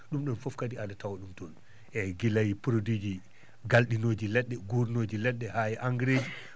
ɗum ɗon fof kadi aɗa tawa ɗum toon eeyi gila e produit galɗinooji leɗɗe haa e engrais ji